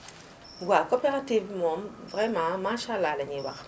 waaw coopérative bi moom vraiment macha allah lañuy wax